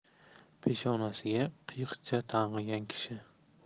peshonasiga qiyiqcha tang'igan kishi